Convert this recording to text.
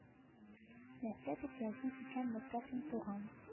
Нәрсә дип языйм икән мостафин туган